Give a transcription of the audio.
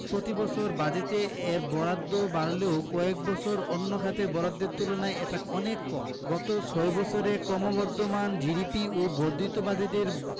প্রতিবছর বাজেটে এর বরাদ্দ বাড়লেও কয়েক বছরে অন্য খাতের বরাদ্দের তুলনায় এটা অনেক কম গত ছয় বছরে ক্রমবর্ধমান জিডিপি ও বর্ধিত বাজেটের